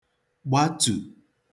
gbatù